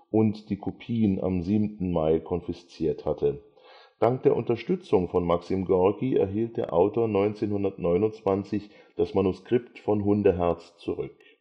und die Kopien am 7. Mai konfisziert hatte. Dank der Unterstützung von Maxim Gorki erhielt der Autor 1929 das Manuskript von Hundeherz zurück